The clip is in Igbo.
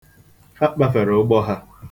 Ha kpafere ụgbọ ha.